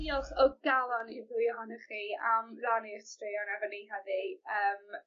Diolch o galon i'r ddwy ohonoch chi am ranu 'ych straeon efo ni heddi yym